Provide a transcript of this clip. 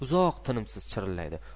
uzoq tinimsiz chirillaydi